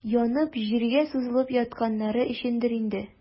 Янып, җиргә сузылып ятканнары өчендер инде.